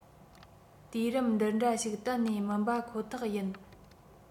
དུས རབས འདི འདྲ ཞིག གཏན ནས མིན པ ཁོ ཐག ཡིན